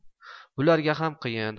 bularga ham qiyin